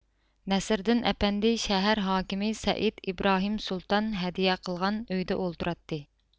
نەسرىدىن ئەپەندى شەھەر ھاكىمى سەئىد ئىبراھىم سۇلتان ھەدىيە قىلغان ئۆيدە ئولتۇراتتى